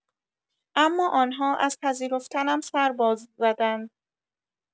اما آن‌ها از پذیرفتنم سر باز زدند.